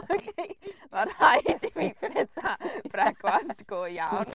Ma' rhaid i fi byta brecwast go iawn.